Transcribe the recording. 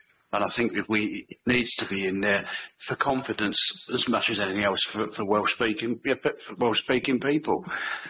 and I think that we- it needs to be in there for confidence as much as anything else for for Welsh speaking pe- pe- Welsh speaking people.